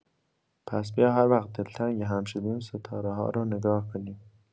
پس بیا هر وقت دلتنگ هم شدیم ستاره‌ها رو نگاه کنیم.